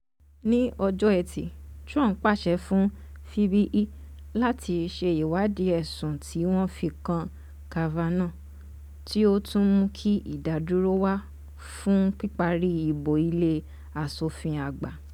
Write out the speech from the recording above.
Ní ọjọ́ ẹtì, Trump pa àṣẹ fún FBI láti ṣe ìwádìí ẹ̀sùn tí wọ́n fi kan Kavanugh, tí ó tún mú kí ìdádúró wá fún píparí ìbò Ilé Aṣòfin àgbà.